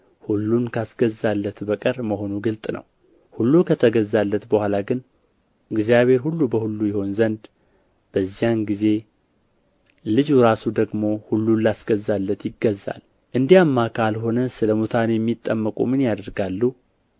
ሁሉን ካስገዛለት በቀር መሆኑ ግልጥ ነው ሁሉ ከተገዛለት በኋላ ግን እግዚአብሔር ሁሉ በሁሉ ይሆን ዘንድ በዚያን ጊዜ ልጁ ራሱ ደግሞ ሁሉን ላስገዛለት ይገዛል እንዲያማ ካልሆነ ስለ ሙታን የሚጠመቁ ምን ያደርጋሉ